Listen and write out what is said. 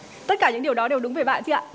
tất cả những điều đó đều đúng về bạn chứ ạ